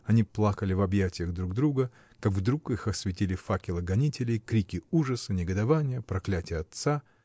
Они плакали в объятиях друг друга, как вдруг их осветили факелы гонителей, крики ужаса, негодования, проклятия отца!